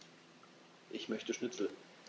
Ich möchte Schnitzel.